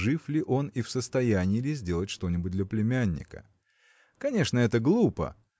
жив ли он и в состоянии ли сделать что-нибудь для племянника. Конечно, это глупо